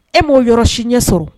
E m'o yɔrɔ si ɲɛ sɔrɔ?